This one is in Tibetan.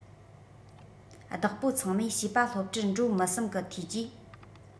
བདག པོ ཚང མས བྱིས པ སློབ གྲྭར འགྲོ མི བསམ གི ཐོས རྗེས